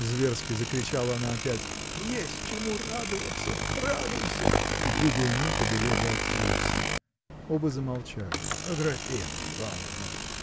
– зверски закричала она опять, – есть чему радоваться – радуйся! И губы у ней побелели от злости. Оба замолчали. – Аграфена Ивановна!